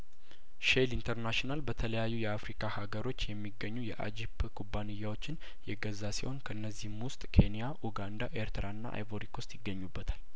ሼል ኢንተርናሽናል በተለያዩ የአፍሪካ ሀገሮች የሚገኙ የአጂፕ ኩባንያዎችን የገዛ ሲሆን ከእነዚህም ውስጥ ኬንያ ኡጋንዳ ኤርትራና አይቮሪኮስ ይገኙበታል